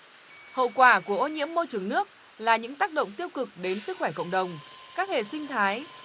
hậu quả của ô nhiễm môi trường nước là những tác động tiêu cực đến sức khỏe cộng đồng các hệ sinh thái